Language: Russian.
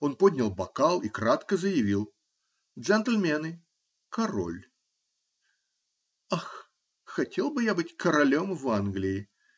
он поднял бокал и кратко заявил: "Джентльмены, король!" Ах, хотел бы я быть королем в Англии.